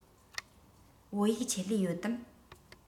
བོད ཡིག ཆེད ལས ཡོད དམ